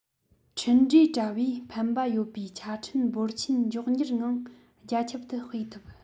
འཕྲིན སྦྲེལ དྲ བས ཕན པ ཡོད པའི ཆ འཕྲིན འབོར ཆེན མགྱོགས མྱུར ངང རྒྱ ཁྱབ ཏུ སྤེལ ཐུབ